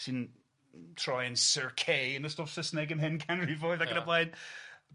Sy'n troi'n Sir Kay yn y stwff Sysneg ymhen canrifoedd ac yn y blaen.